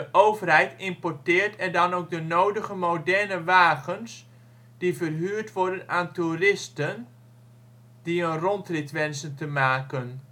overheid importeert er dan ook de nodige moderne wagens die verhuurd worden aan toeristen die een rondrit wensen te maken